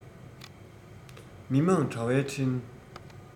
མི དམངས དྲ བའི འཕྲིན